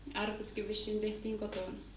arkutkin vissiin tehtiin kotona